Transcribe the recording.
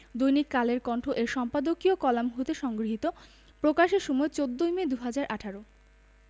দৈনিক কালের কণ্ঠ এর সম্পাদকীয় কলাম হতে সংগৃহীত প্রকাশের সময় ১৪ই মে ২০১৮